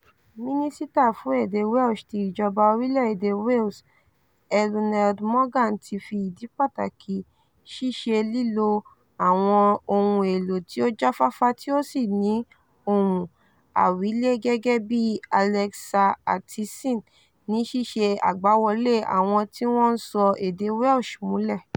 Mínísítà fún èdè Welsh ti ìjọba orílẹ̀ èdè Wales Eluned Morgan ti fi ìdí pàtàkì ṣíṣe lílo àwọn ohun èlò tí ó jáfáfá tí ó sì ní ohùn àwílé gẹ́gẹ́ bíi Alexa àti Siri ní ṣíṣe àgbàwọlé àwọn tí wọ́n ń sọ èdè Welsh múlẹ̀.